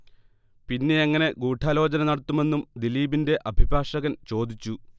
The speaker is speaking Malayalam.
പിന്നെ എങ്ങനെ ഗൂഢാലോചന നടത്തുമെന്നും ദിലീപിന്റെ അഭിഭാഷകൻ ചോദിച്ചു